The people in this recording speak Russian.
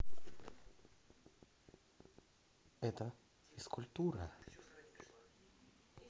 это физкультура